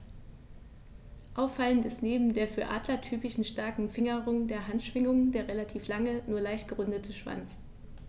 Auffallend ist neben der für Adler typischen starken Fingerung der Handschwingen der relativ lange, nur leicht gerundete Schwanz.